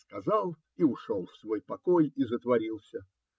Сказал и ушел в свой покой и затворился.